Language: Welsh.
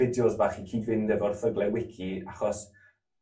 fideos bach i cyd-fynd efo'r thygle wici achos